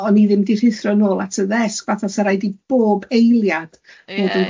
o'n i ddim di rhuthro nôl at y ddesg fatha sa raid i bob eiliad